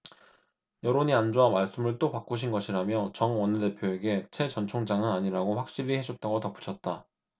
여론이 안 좋아 말씀을 또 바꾸신 것이라며 정 원내대표에게 채 전 총장은 아니라고 확실히 해줬다고 덧붙였다